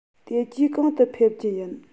དེ རྗེས གང དུ ཕེབས རྒྱུ ཡིན